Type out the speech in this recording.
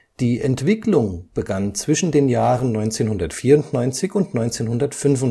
Die Entwicklung begann zwischen den Jahren 1994 und 1995